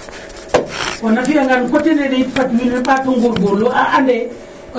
Kon a fi'angaan coté nene it fat wiin we ɓaat o ngoprngoorlu a ande